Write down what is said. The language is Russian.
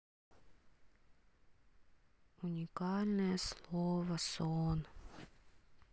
уникальное слово сон